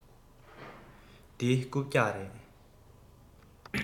འདི རྐུབ བཀྱག རེད